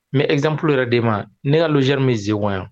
Mɛ i zananp yɛrɛ de ma ne y ka diri min senigɔ yan